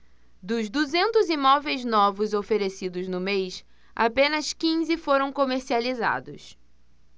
dos duzentos imóveis novos oferecidos no mês apenas quinze foram comercializados